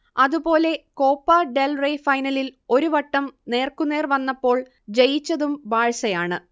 അതുപോലെ Copa del Rey ഫൈനലിൽ ഒരു വട്ടം നേർക്കുനേർ വന്നപ്പോൾ ജയിച്ചതും ബാഴ്സയാണ്